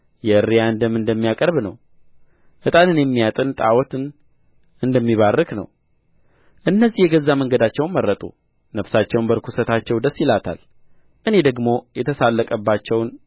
የእርያን ደም እንደሚያቀርብ ነው ዕጣንን የሚያጥን ጣዖትን እንደሚባርክ ነው እነዚህ የገዛ መንገዳቸውን መረጡ ነፍሳቸውም በርኵሰታቸው ደስ ይላታል እኔ ደግሞ የተሳለቀባቸውን